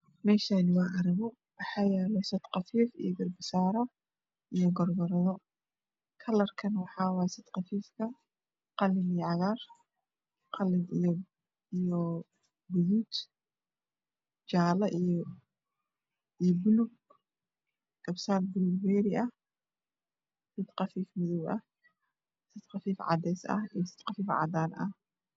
Meshan waa caro waxa yalo sad qafiif aha iyo garpa saaro iyo gor garodo kalrka waxaa wayee sad qafiif ah qalin iyo cagaar qalin iyo guduud jaalo iyo puluug garpa saar paluug meeri ah mid qafii madow ah sad qafiif cadees ah iyo sad qafii cadaana h